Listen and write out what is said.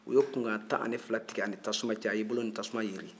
u ye kunkan tan ni fila tigɛ a ni tasuma cɛ a y'i bolo ni yasuma yiri